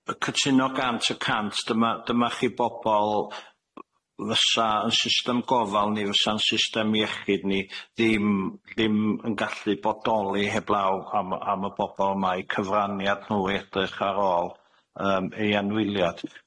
Y cytuno gant y cant dyma dyma chi bobol fysa yn system gofal ni, fysa'n system iechyd ni ddim ddim yn gallu bodoli heblaw am y am y bobol yma i cyfraniad nhw edrych ar ôl yym ei anwyliad.